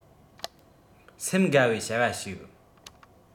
སེམས དགའ བའི བྱ བ ཞིག